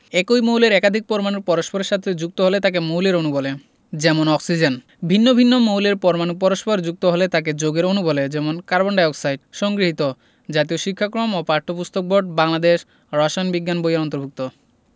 একই মৌলের একাধিক পরমাণু পরস্পরের সাথে যুক্ত হলে তাকে মৌলের অণু বলে যেমন অক্সিজেন ভিন্ন ভিন্ন মৌলের পরমাণু পরস্পর যুক্ত হলে তাকে যৌগের অণু বলে যেমন কার্বন ডাই অক্সাইড সংগৃহীত জাতীয় শিক্ষাক্রম ও পাঠ্যপুস্তক বোর্ড বাংলাদেশ রসায়ন বিজ্ঞান বই এর অন্তর্ভুক্ত